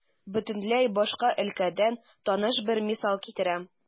Бөтенләй башка өлкәдән таныш бер мисал китерәм.